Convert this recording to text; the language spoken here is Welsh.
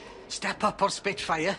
Step up o'r spitfire.